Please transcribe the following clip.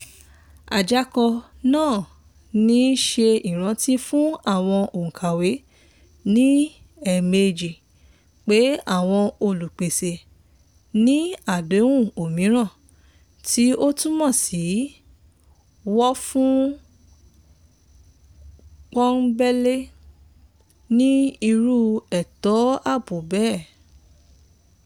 Àjákọ náà ń ṣe ìrántí fún àwọn òǹkàwé - ní ẹ̀ẹ̀mejì - pé àwọn olùpèsè ní " àdéhùn òmìnira", tí ó túmọ̀ sí pé wọ̀fún pọ́nńbélé ni irú ètò àbò bẹ́ẹ̀.